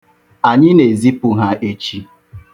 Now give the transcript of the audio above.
Anyị na-ezipụ ha echi.